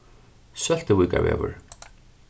søltuvíkarvegur